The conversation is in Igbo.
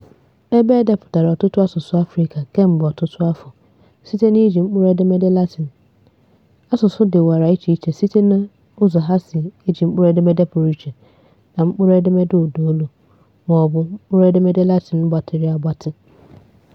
Ebe e depụtara ọtụtụ asụsụ Afrịka kemgbe ọtụtụ afọ site n'iji mkpụrụedemede Latin, asụsụ dịwara icheiche site n’ụzọ ha si eji mkpụrụedemede pụrụ iche na mkpụrụedemede ụdaolu, maọbụ mkpụrụedemede Latin “gbatịrị agbatị”.